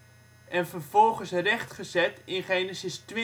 en vervolgens rechtgezet in Gen.20:13